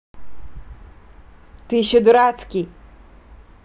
ты еще дурацкий